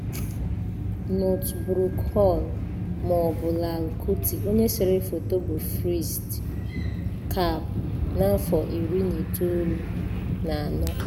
Northbrook Hall ma ọ bụ Lal Kuthi - onye sere foto bụ Fritz Kapp na 1904.